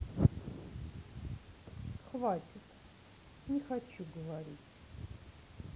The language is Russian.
хватит не хочу говорить